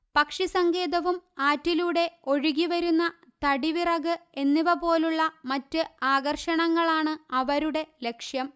പക്ഷി സങ്കേതവും ആറ്റിലൂടെ ഒഴുകിവരുന്ന തടി വിറക് എന്നിവപോലുള്ള മറ്റ് ആകർഷണങ്ങളാണ് അവരുടെ ലക്ഷ്യം